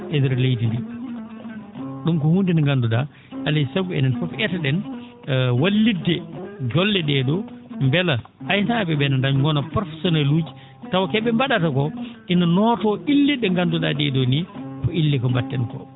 e ndeer leydi ndii ?um ko huunde nde nganndu?aa alaa e sago enen fof eto?en wallidde golle ?ee ?oo mbela aynaa?e ?ee no ngona professionel uuji taw ko ?e mba?ata koo ina nootoo ille ?e nganndu?aa ?ee ?oo nii ko ille ko mbatten koo